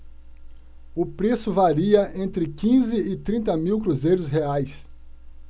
o preço varia entre quinze e trinta mil cruzeiros reais